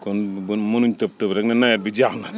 kon bon munuñ tëb tëb rek ne nawet bi jeex na